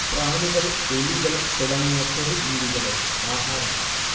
പ്രാണികൾ എലികൾ തുടങ്ങിയ ചെറു ജീവികളെ ആഹാരമാക്കുന്നു